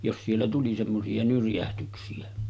jos siellä tuli semmoisia nyrjähdyksiä